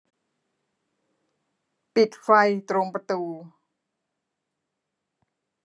ปิดไฟตรงประตู